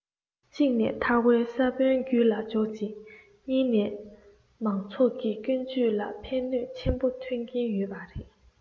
གཅིག ནས ཐར བའི ས བོན རྒྱུད ལ འཇོག ཅིང གཉིས ནས མང ཚོགས ཀྱི ཀུན སྤྱོད ལ ཕན ནུས ཆེན པོ ཐོན གྱིན ཡོད པ རེད